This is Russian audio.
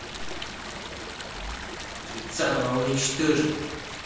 тридцатого уничтожить